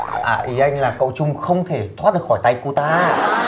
à ý anh là cậu trung không thể thoát được khỏi tay cô ta